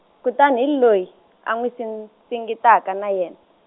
kutani hi loyi, a n'wi sing- singitaka na yena.